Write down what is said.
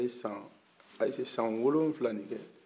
ayise ye san wolonwula de kɛ